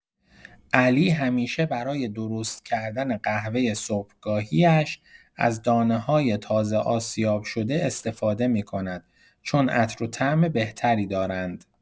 علی همیشه برای درست‌کردن قهوه صبحگاهی‌اش از دانه‌های تازه آسیاب‌شده استفاده می‌کند، چون عطر و طعم بهتری دارند.